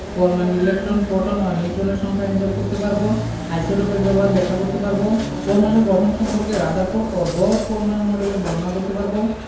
পরমাণুর electron proton ও neutron এর সংখ্যা হিসাব করতে পারব আইসোটোপের ব্যবহার ব্যাখ্যা করতে পারব পরমাণুর গঠন সম্পর্কে রাদারফোর্ড ও বর পরমাণু মডেলের বর্ণনা করতে পারব